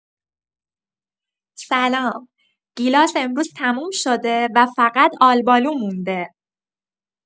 سلام، گیلاس امروز تموم شده و فقط آلبالو مونده.